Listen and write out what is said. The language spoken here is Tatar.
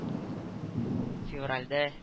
Февральдә